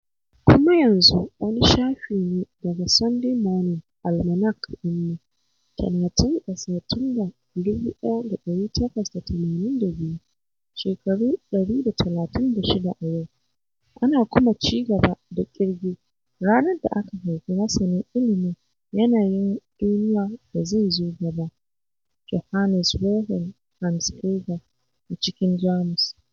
Kuma yanzu wani shafi ne daga "Sunday Morning" Almanac ɗinmu: 30 ga Satumba, 1882, shekaru 136 a yau, ana kuma CI GABA DA ƙIRGE ... ranar da aka haifi masanin ilmin yanayin duniya da zai so gaba Johannes Wilhelm "Hans" Geiger a cikin Jamus.